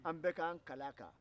an bɛɛ k'an kal'a kan